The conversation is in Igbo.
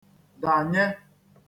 dànye